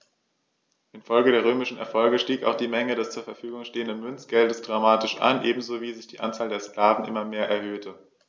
Infolge der römischen Erfolge stieg auch die Menge des zur Verfügung stehenden Münzgeldes dramatisch an, ebenso wie sich die Anzahl der Sklaven immer mehr erhöhte.